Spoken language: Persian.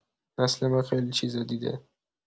نسل ما خیلی چیزا دیده.